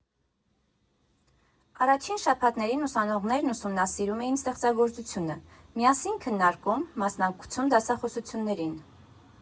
Առաջին շաբաթներին ուսանողներնուսումնասիրում էին ստեղծագործությունը, միասին քննարկում, մասնակցում դասախոսություններին։